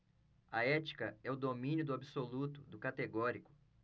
a ética é o domínio do absoluto do categórico